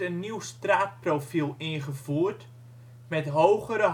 nieuw straatprofiel ingevoerd met hogere